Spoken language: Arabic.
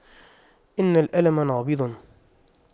أن الألم نابض